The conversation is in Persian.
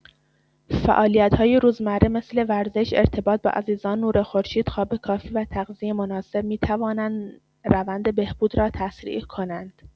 فعالیت‌های روزمره مثل ورزش، ارتباط با عزیزان، نور خورشید، خواب کافی و تغذیه مناسب می‌توانند روند بهبود را تسریع کنند.